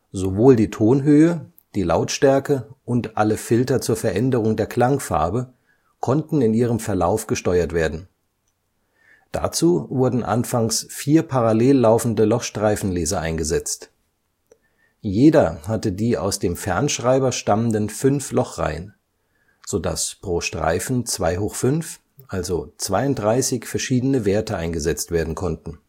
Sowohl die Tonhöhe, die Lautstärke und alle Filter zur Veränderung der Klangfarbe konnten in ihrem Verlauf gesteuert werden. Dazu wurden anfangs vier parallel laufende Lochstreifenleser eingesetzt. Jeder hatte die aus dem Fernschreiber stammenden fünf Lochreihen, so dass pro Streifen 25, also 32 verschiedene Werte eingesetzt werden konnten